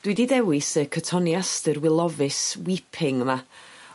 Dwi 'di dewis y cotoneaster wilovus weeping yma